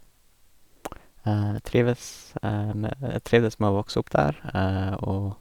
Jeg trives med trivdes med å vokse opp der, og...